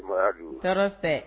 Du tɔɔrɔ fɛ